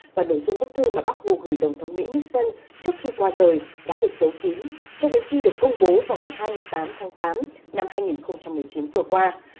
và nội dung bức thư mà bác hồ gửi tổng thống mỹ ních xơn trước khi qua đời đã được giấu kín cho đến khi được công bố vào ngày hai mươi tám tháng tám năm hai nghìn không trăm mười chín vừa qua